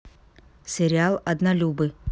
сериал однолюбы